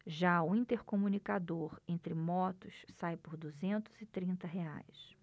já o intercomunicador entre motos sai por duzentos e trinta reais